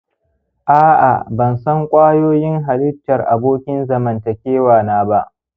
a'a bansan ƙwayoyin halittar abokin zamantakewa na ba